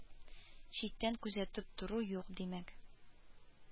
Читтән күзәтеп тору юк, димәк